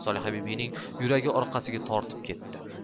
solihabibining yuragi orqasiga tortib ketdi